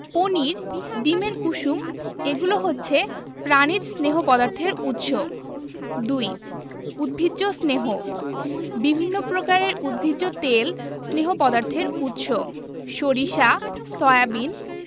পনির ডিমের কুসুম এগুলো হচ্ছে প্রাণিজ স্নেহ পদার্থের উৎস ২. উদ্ভিজ্জ স্নেহ বিভিন্ন প্রকারের উদ্ভিজ তেল স্নেহ পদার্থের উৎস সরিষা সয়াবিন